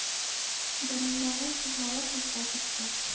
Җанындагы сызлавык юкка чыкты.